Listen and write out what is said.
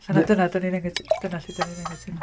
Falle ma' dyna dan ni'n anghytu- dyna lle dan ni'n anghytuno.